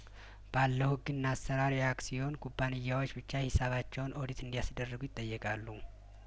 ባለው ህግና አሰራር የአክሲዮን ኩባንያዎች ብቻ ሂሳባቸውን ኦዲት እንዲያስ ደርጉ ይጠየቃሉ